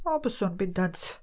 O byswn bendant.